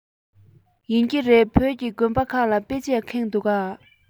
ཡིན གྱི རེད བོད ཀྱི དགོན པ ཁག ལ དཔེ ཆས ཁེངས འདུག ག